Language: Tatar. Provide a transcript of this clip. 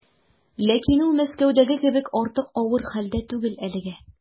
Ләкин ул Мәскәүдәге кебек артык авыр хәлдә түгел әлегә.